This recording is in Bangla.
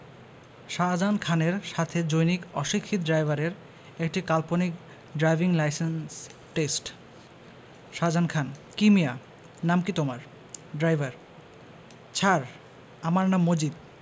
শাজাহান খানের সাথে জৈনিক অশিক্ষিত ড্রাইভারের একটি কাল্পনিক driving licence test Shahjahan Khan কি মিয়া নাম কি তোমার ড্রাইভার ছার আমার নাম মজিদ